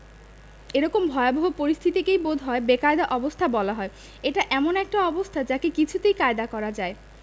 এরকম ভয়াবহ পরিস্থিতিকেই বোধ হয় বেকায়দা অবস্থা বলা হয় এটা এমন একটা অবস্থা যাকে কিছুতেই কায়দা করা যায়